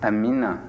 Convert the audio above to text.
amiina